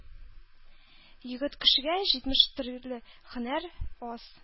Егет кешегә җитмеш төрле һөнәр аз.